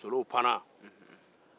solow panna